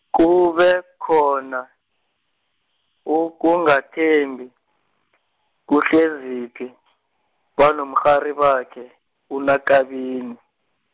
kube khona, ukungathembi , kuHleziphi , banomrharibakhe uNaKabini.